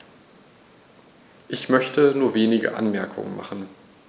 Ich möchte nur wenige Anmerkungen machen.